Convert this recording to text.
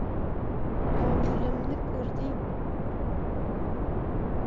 ovulimni ko'rding